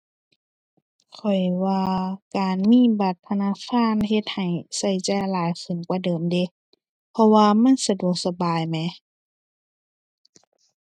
ข้อยว่าการมีบัตรธนาคารเฮ็ดให้ใช้จ่ายหลายขึ้นกว่าเดิมเดะ เพราะว่ามันสะดวกสบายแหม